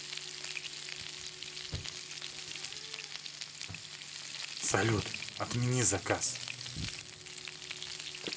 салют отмени заказ